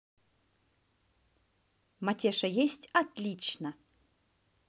матеша есть отлично